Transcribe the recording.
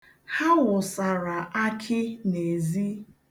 Ha wụsara akị n'ezi.